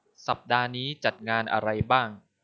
สัปดาห์นี้จัดงานอะไรบ้าง